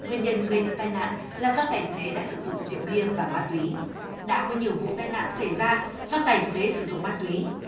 nguyên nhân gây ra tai nạn là do tài xế đã sử dụng rượu bia và ma túy đã có nhiều vụ tai nạn xảy ra do tài xế sử dụng ma túy